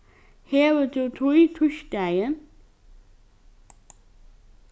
hevur tú tíð týsdagin